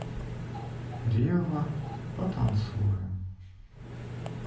ревва потанцуем